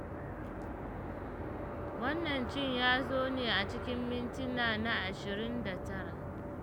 Wannan cin ya zo ne a cikin mintina na 29.